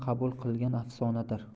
qabul qilgan afsonadir